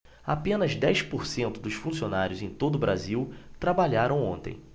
apenas dez por cento dos funcionários em todo brasil trabalharam ontem